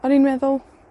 o'n ii'n meddwl